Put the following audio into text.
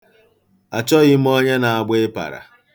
Ac̣họghị m onye na-agba ịpara.